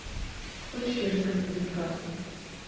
хочешь я расскажу тебе сказку